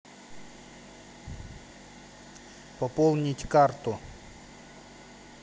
пополнить карту